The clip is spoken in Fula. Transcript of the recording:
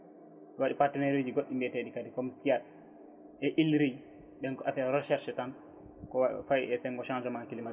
waɗi partenaire uji goɗɗi mbiyeteɗi kadi comme SIAD et ILRI ɓen ko affaire recherche tan ko faayi e senggo changement climatique